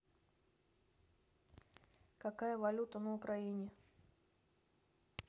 какая валюта на украине